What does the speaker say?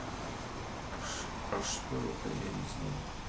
а что это я не знаю